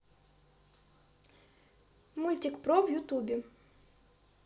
мультик про в ютубе